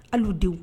Hali u denw